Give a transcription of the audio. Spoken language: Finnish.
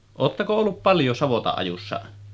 oletteko ollut paljon savotan ajossa